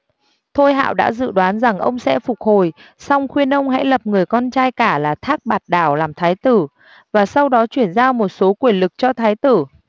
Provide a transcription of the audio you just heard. thôi hạo đã dự đoán rằng ông sẽ phục hồi song khuyên ông hãy lập người con trai cả là thác bạt đảo làm thái tử và sau đó chuyển giao một số quyền lực cho thái tử